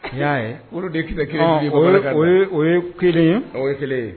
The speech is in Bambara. N y'a ye de kelen o ye kelen o ye kelen ye